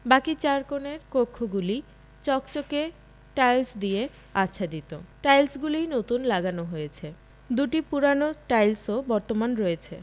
বাকি চার কোণের কক্ষগুলি চকচকে টাইলস দিয়ে আচ্ছাদিত টাইলসগুলি নতুন লাগানো হয়েছে দুটি পুরানো টাইলসও বর্তমান রয়েছে